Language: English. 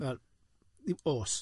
Wel, oes.